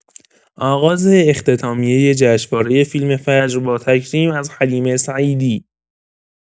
آغاز اختتامیه جشنواره فیلم فجر با تکریم از حلیمه سعیدی